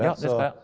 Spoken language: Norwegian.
ja det skal jeg.